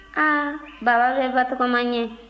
a baba bɛ batɔgɔma ɲɛ